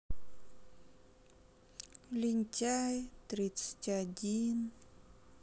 лентяй тридцать один